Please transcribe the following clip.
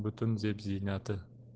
butun zeb ziynati